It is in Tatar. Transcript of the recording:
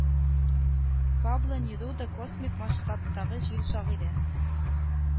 Пабло Неруда космик масштабтагы җир шагыйре